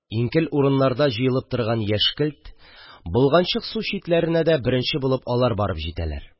Иңкел урыннарда җыелып торган яшькелт, болганчык су читләренә дә беренче булып алар барып җитәләр.